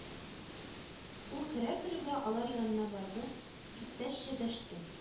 Ул керә-керүгә алар янына барды, иптәшчә дәште: